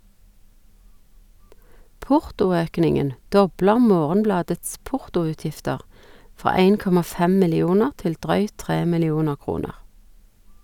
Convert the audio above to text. Portoøkningen dobler Morgenbladets portoutgifter fra 1,5 millioner til drøyt tre millioner kroner.